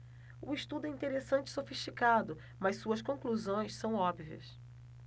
o estudo é interessante e sofisticado mas suas conclusões são óbvias